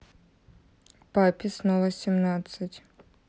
папе снова семнадцать